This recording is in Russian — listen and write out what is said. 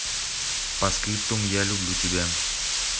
поскриптум я люблю тебя